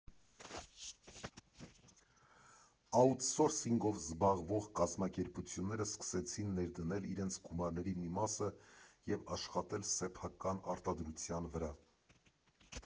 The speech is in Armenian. Աութսորսինգով զբաղվող կազմակերպությունները սկսեցին ներդնել իրենց գումարների մի մասը և աշխատել սեփական արտադրության վրա։